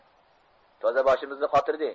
toza boshimizni qotirding